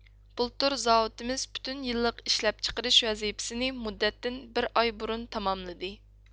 بۇلتۇر زاۋۇتىمىز پۈتۈن يىللىق ئىشلەپچىقىرىش ۋەزىپىسىنى مۇددەتتىن بىر ئاي بۇرۇن تاماملىدى